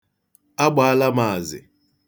Agbaala m azị.